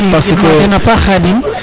i ngid ma dena paax Khadim